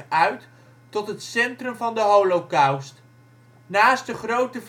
uit tot het centrum van de Holocaust. Naast de grote